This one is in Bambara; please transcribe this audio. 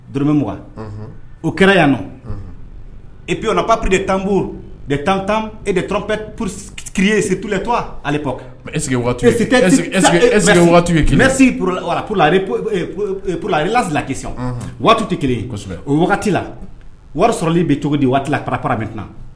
Dbe m o kɛra yan nɔ e py pa pur de tanm tan tan e de tp p pesiple to e e p lasilaki waati tɛ kelen o waati wagati la wari sɔrɔli bɛ cogo di waatilara parame tila